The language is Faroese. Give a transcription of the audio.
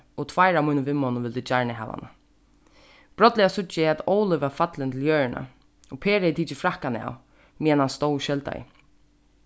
og tveir av mínum vinmonnum vildu gjarna hava hana brádliga síggi eg at óli var fallin til jørðina og per hevði tikið frakkan av meðan hann stóð og skeldaði